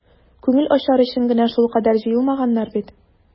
Күңел ачар өчен генә шулкадәр җыелмаганнар бит.